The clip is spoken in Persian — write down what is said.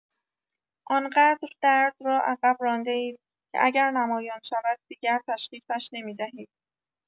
آن‌قدر درد را عقب رانده‌اید که اگر نمایان شود دیگر تشخیصش نمی‌دهید.